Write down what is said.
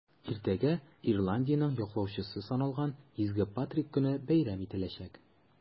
Иртәгә Ирландиянең яклаучысы саналган Изге Патрик көне бәйрәм ителәчәк.